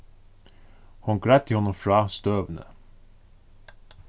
hon greiddi honum frá støðuni